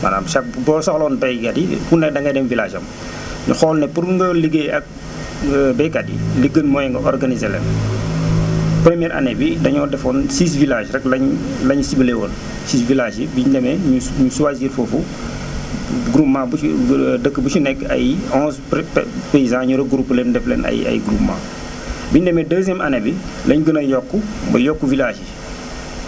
maanaam chaque boo soxla woon baykat yi ku ne da ngay dem village am ñu xool ne pour nga liggéey ak baykat yi li gën mooy nga organisé leen première année bi dañoo defoon 6 villages rek lañ lañ ciblé woon 6 village yi bi ñu demee ñu choisir foofu groupement bu ci gë dëkk bu ci nekk ay 11 pa paysans ñu regroupé leen def leen ay ay groupements bi ñu demee deuxième année bi lañ gën a yokku ba yokk village yi